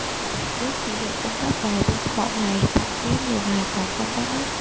nước chỉ được cung cấp vài tiếng mỗi ngày thậm chí nhiều ngày còn không có nước